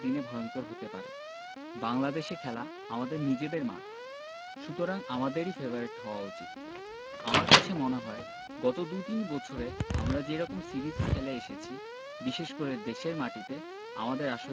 শ্রীলঙ্কা ভালো জিম্বাবুয়েও তাদের দিনে ভয়ংকর হতে পারে বাংলাদেশে খেলা আমাদের নিজেদের মাঠ সুতরাং আমাদেরই ফেবারিট হওয়া উচিত আমার কাছে মনে হয় গত দুতিন বছরে আমরা যে রকম সিরিজ খেলে এসেছি